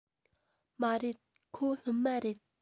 མ རེད ཁོ སློབ མ རེད